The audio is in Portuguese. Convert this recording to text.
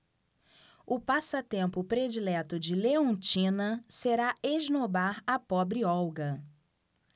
o passatempo predileto de leontina será esnobar a pobre olga